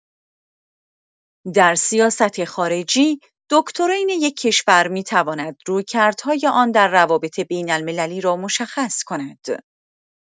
در سیاست‌خارجی، دکترین یک کشور می‌تواند رویکردهای آن در روابط بین‌المللی را مشخص کند.